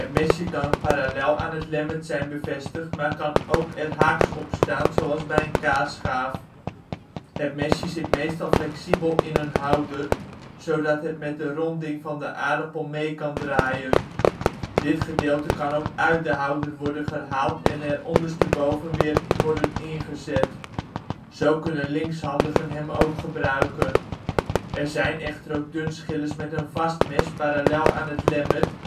mesje kan parallel aan het lemmet zijn bevestigd, maar kan er ook haaks opstaan zoals bij een kaasschaaf. Het mesje zit meestal flexibel in een houder, zodat het met de ronding van de aardappel mee kan draaien. Dit gedeelte kan ook uit de houder worden gehaald en er ondersteboven weer worden ingezet. Zo kunnen linkshandigen hem ook gebruiken. Er zijn echter ook dunschillers met een vast mes parallel aan het lemmet